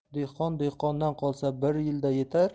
dehqon dehqondan qolsa bir yilda yetar